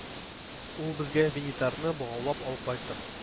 Ул безгә Винитарны богаулап алып кайтыр.